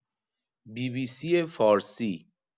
بی‌بی‌سی فارسی